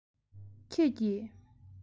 ཁྱེད ཀྱིས